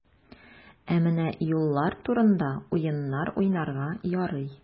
Ә менә юллар турында уеннар уйнарга ярый.